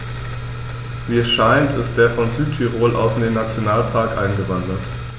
Wie es scheint, ist er von Südtirol aus in den Nationalpark eingewandert.